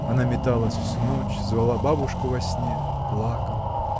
Она металась всю ночь, звала бабушку во сне, плакала.